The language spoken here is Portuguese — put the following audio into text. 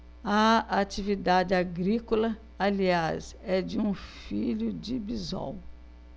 a atividade agrícola aliás é de um filho de bisol